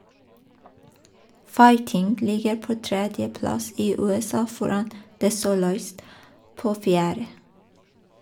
"Fighting" ligger på tredjeplass i USA, foran "The Soloist" på fjerde.